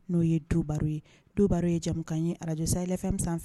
N'o ye ye do ye jamukan ye araj fɛn sanfɛ